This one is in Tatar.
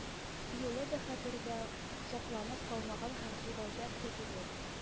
Юлы да хәтердә сакланып калмаган һәм бу гаҗәп тә түгел